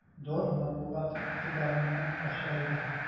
Дора матбугат игътибарыннан кача иде.